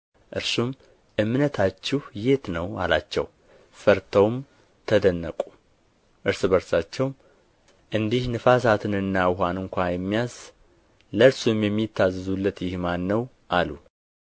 እርሱም እምነታችሁ የት ነው አላቸው ፈርተውም ተደነቁ እርስ በርሳቸውም እንዲህ ነፋሳትንና ውኃን እንኳ የሚያዝ ለእርሱም የሚታዘዙለት ይህ ማን ነው አሉ